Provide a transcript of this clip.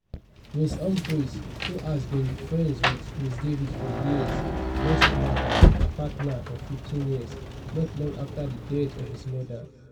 Ms Humphreys, who has been friends with Ms Davies for years, lost Mark, her partner of 15 years, not long after the death of his mother.